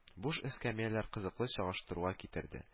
Буш эскәмияләр кызыклы чагыштыруга китерде